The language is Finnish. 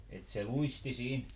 että se luisti siinä